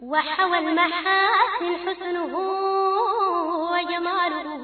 Wadu we wamudu